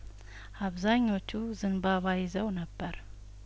አብዛኞቹ ዘንባባ ይዘው ነበር